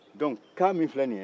dɔnc ka min filɛ nin ye